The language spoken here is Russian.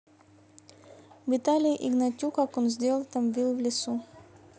виталий игнатюк как он сделал тамвил в лесу